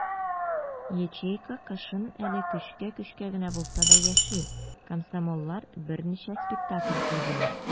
Ячейка кышын әле көчкә-көчкә генә булса да яши - комсомоллар берничә спектакль куйдылар.